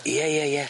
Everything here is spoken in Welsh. Ie ie ie.